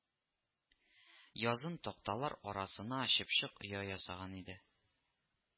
Язын такталар арасына чыпчык оя ясаган иде